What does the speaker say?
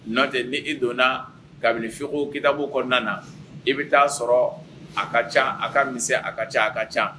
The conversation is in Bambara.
Nɔtɛ ni i donna kabini fiko kidabo kɔnɔna na i bɛ taaa sɔrɔ a ka ca a ka mi a ka ca a ka ca